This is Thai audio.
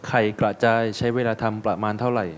ไข่กระจายใช้เวลาทำประมาณเท่าไหร่